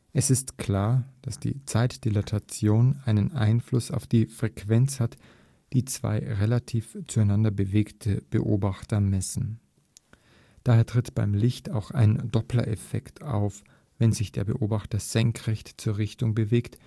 Es ist klar, dass die Zeitdilatation einen Einfluss auf die Frequenzen hat, die zwei relativ zueinander bewegte Beobachter messen. Daher tritt beim Licht auch ein Dopplereffekt auf, wenn sich der Beobachter senkrecht zur Richtung bewegt